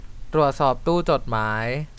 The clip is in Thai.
ตรวจสอบตู้จดหมาย